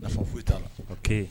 Nafa foyi t'a la Ok